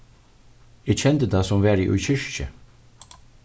eg kendi tað sum var eg í kirkju